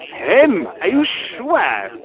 Him? Are you sure?